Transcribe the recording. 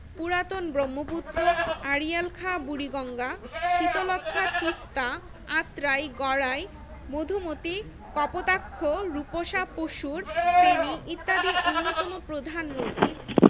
পুরাতন ব্রহ্মপুত্র আড়িয়াল খাঁ বুড়িগঙ্গা শীতলক্ষ্যা তিস্তা আত্রাই গড়াই মধুমতি কপোতাক্ষ রূপসা পসুর ফেনী ইত্যাদি অন্যতম প্রধান নদী